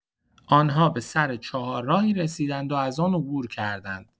آن‌ها به سر چهارراهی رسیدند و از آن عبور کردند.